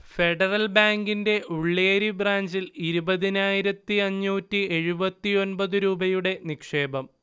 federal ബാങ്കിൻെറ ഉള്ള്യേരി ബ്രാഞ്ചിൽ ഇരുപതിനായിരത്തി അഞ്ഞൂറ്റി എഴുപത്തിയൊന്പത് രൂപയുടെ നിക്ഷേപം